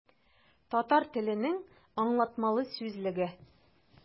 Татар теленең аңлатмалы сүзлеге.